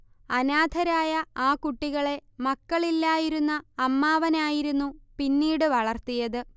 അനാഥരായ ആ കുട്ടികളെ മക്കളില്ലായിരുന്ന അമ്മാവനായിരുന്നു പിന്നീട് വളർത്തിയത്